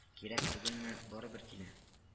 Кирәк түгелме — барыбер килә